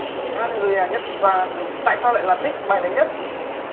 ha len lui da nhất và tại sao lại là thích bài đó nhất